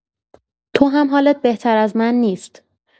تو هم حالت بهتر از من نیست.